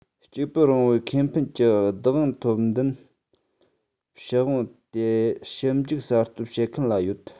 གཅིག པུར དབང བའི ཁེ ཕན གྱི བདག དབང ཐོབ འདུན ཞུ དབང དེ ཞིབ འཇུག གསར གཏོད བྱེད མཁན ལ ཡོད